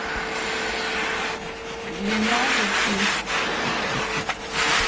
длина руки